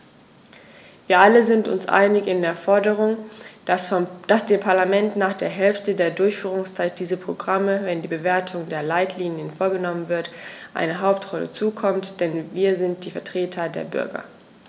Wir alle sind uns einig in der Forderung, dass dem Parlament nach der Hälfte der Durchführungszeit dieser Programme, wenn die Bewertung der Leitlinien vorgenommen wird, eine Hauptrolle zukommt, denn wir sind die Vertreter der Bürger.